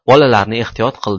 bolalarni ehtiyot qil